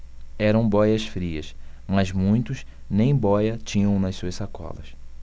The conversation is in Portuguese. eram bóias-frias mas muitos nem bóia tinham nas suas sacolas